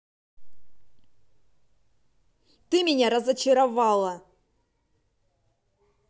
ты меня разочаровала